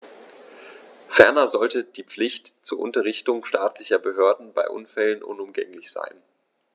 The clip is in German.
Ferner sollte die Pflicht zur Unterrichtung staatlicher Behörden bei Unfällen unumgänglich sein.